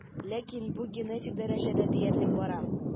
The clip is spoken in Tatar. Ләкин бу генетик дәрәҗәдә диярлек бара.